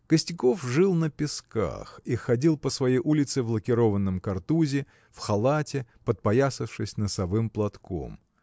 Костяков жил на Песках и ходил по своей улице в лакированном картузе в халате подпоясавшись носовым платком.